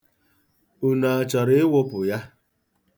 Unu achọrọ ịwụpụ ya?